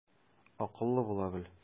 Акыллы була бел.